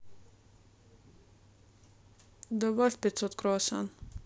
добавь пятьсот круассан